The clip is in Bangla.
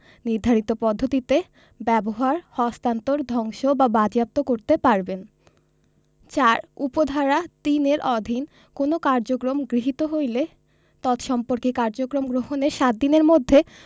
নির্ধারিত পদ্ধতিতে ব্যবহার হস্তান্তর ধ্বংস বা বাজেয়াপ্ত কিরতে পারিবেন ৪ উপ ধারা ৩ এর অধীন কোন কার্যক্রম গৃহীত হইলে তৎসম্পর্কে কার্যক্রম গ্রহণের ৭ দিনের মধ্যে